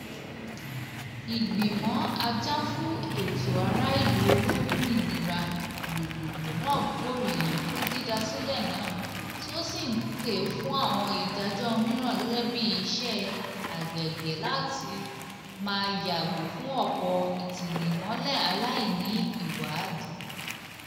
Ìgbìmọ̀ Ajà-fún-ẹ̀tọ́-ará-ìlù Olómìnira Gbogbogbò náà gbóríyìn fún dídásílẹ̀ náà, tí ó sì ń pè fún àwọn ìdájọ́ mìíràn, gẹ́gẹ́ bíi iṣẹ́ agbègbè, àti láti máa yàgò fún ọ̀pọ̀ ìtinimọ́lé aláìní ìwádìí.